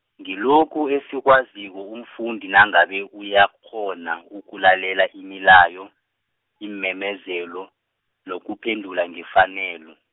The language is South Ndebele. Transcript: ngilokhu esikwaziko umfundi nangabe, uyakghona ukulalela imilayo, iimemezelo, nokuphendula ngefanelo.